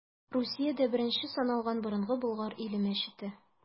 Русиядә беренче саналган Борынгы Болгар иле мәчете.